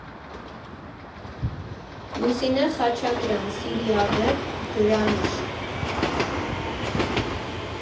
Լուսինե Խառատյան «Սիրիավեպ», Գրանիշ։